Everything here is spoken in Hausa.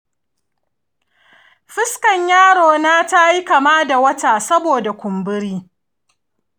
fuskar yaro na ta yi kama da wata saboda kumburi.